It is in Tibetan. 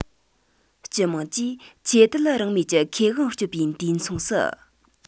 སྤྱི དམངས ཀྱིས ཆོས དད རང མོས ཀྱི ཁེ དབང སྤྱོད པའི དུས མཚུངས སུ